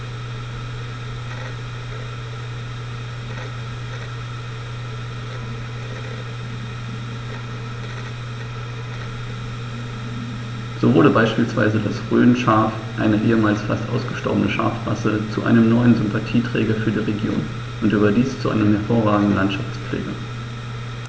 So wurde beispielsweise das Rhönschaf, eine ehemals fast ausgestorbene Schafrasse, zu einem neuen Sympathieträger für die Region – und überdies zu einem hervorragenden Landschaftspfleger.